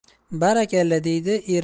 barakalla deydi ermon